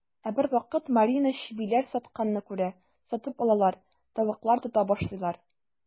Ә бервакыт Марина чебиләр сатканны күрә, сатып алалар, тавыклар тота башлыйлар.